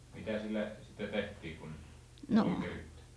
mitä sille sitten tehtiin kun oli keritty